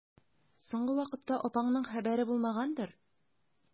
Соңгы вакытта апаңның хәбәре булмагандыр?